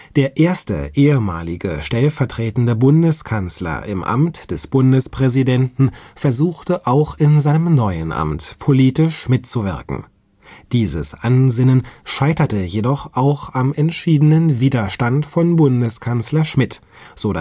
erste ehemalige stellvertretende Bundeskanzler im Amt des Bundespräsidenten versuchte auch in seinem neuen Amt politisch mitzuwirken. Dieses Ansinnen scheiterte jedoch auch am entschiedenen Widerstand von Bundeskanzler Schmidt, so